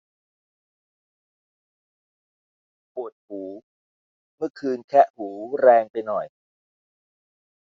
ปวดหูเมื่อคืนแคะหูแรงไปหน่อย